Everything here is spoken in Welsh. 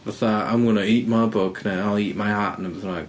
Fatha I'm gonna eat my book neu I'll eat my hat neu beth bynnag.